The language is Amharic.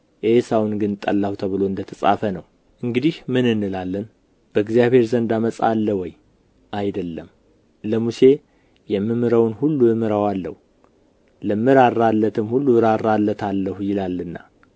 ኤሳውን ግን ጠላሁ ተብሎ እንደ ተጻፈ ነው እንግዲህ ምን እንላለን በእግዚአብሔር ዘንድ ዓመፃ አለ ወይ አይደለም ለሙሴ የምምረውን ሁሉ እምረዋለሁ ለምራራለትም ሁሉ እራራለታለሁ ይላልና